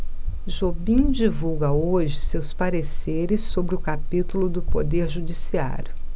jobim divulga hoje seus pareceres sobre o capítulo do poder judiciário